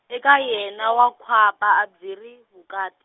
eka yena vakwapa a byi ri vukati.